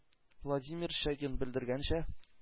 Владимир Чагин белдергәнчә,